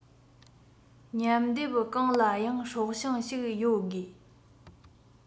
མཉམ སྡེབ གང ལ ཡང སྲོག ཤིང ཞིག ཡོད དགོས